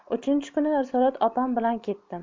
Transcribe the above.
uchinchi kuni risolat opam bilan ketdim